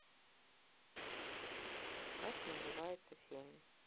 как называется фильм